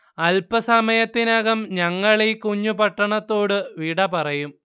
അൽപസമയത്തിനകം ഞങ്ങളീ കുഞ്ഞു പട്ടണത്തോട് വിട പറയും